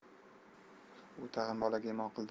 u tag'in bolaga imo qildi